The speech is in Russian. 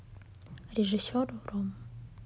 режиссер ром